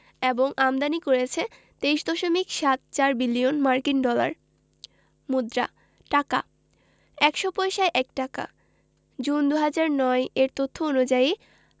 এবং আমদানি করেছে ২৩দশমিক সাত চার বিলিয়ন মার্কিন ডলার মুদ্রাঃ টাকা ১০০ পয়সায় ১ টাকা জুন ২০০৯ এর তথ্য অনুযায়ী